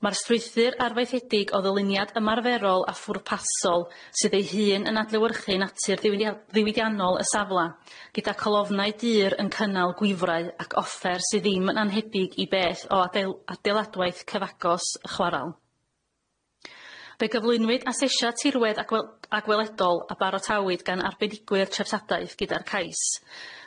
Ma'r strwythur arfaethedig o ddyluniad ymarferol a phwrpasol sydd ei hun yn adlewyrchu natur ddiwydia- ddiwydiannol y safla gyda colofnau dŷr yn cynnal gwifrau ac offer sydd ddim yn anhebig i beth o adeil- adeiladwaith cyfagos y chwaral. Fe gyflwynwyd asesiad tirwedd agwel- agweledol a barotawyd gan arbenigwyr treftadaeth gyda'r cais.